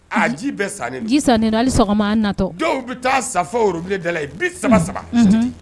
Ji bɛ san ji san sɔgɔma natɔ dɔw bɛ taa sabilen da la i bi saba saba